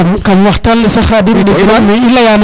kam waxtan le sax Khadim i leyano yo